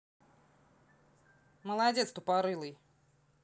молодец тупорылый